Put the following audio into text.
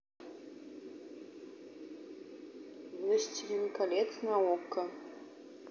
властелин колец на окко